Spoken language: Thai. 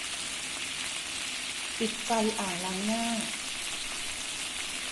ปิดไฟอ่างล้างหน้า